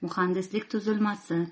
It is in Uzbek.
muhandislik tuzilmasi